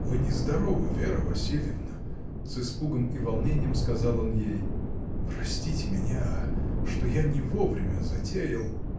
— Вы нездоровы, Вера Васильевна, — с испугом и волнением сказал он ей, — простите меня, что я не вовремя затеял.